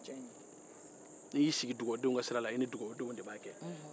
n'i y'i sigi dugawudenw ka sira la i ni dugawudenw de b'a kɛ